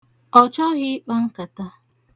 Ọ chọghị ịkpa nkata.